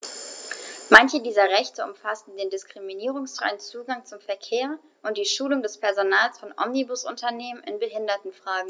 Manche dieser Rechte umfassen den diskriminierungsfreien Zugang zum Verkehr und die Schulung des Personals von Omnibusunternehmen in Behindertenfragen.